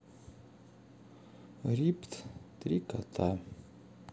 рипт три кота